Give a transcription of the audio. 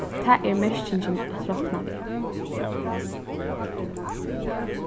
tað er merkingin at rokna við